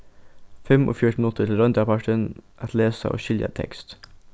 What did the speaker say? fimmogfjøruti minuttir til royndarpartin at lesa og skilja tekst